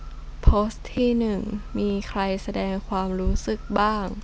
โพสต์ที่หนึ่งมีใครแสดงความรู้สึกบ้าง